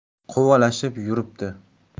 quvalashib yuribdi